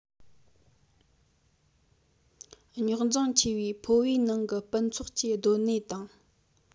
རྙོག འཛིང ཆེ བའི ཕོ བའི ནང གི སྤུ ཚོགས ཀྱི སྡོད གནས དང